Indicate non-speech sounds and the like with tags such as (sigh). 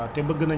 (hesitation) (hesitation)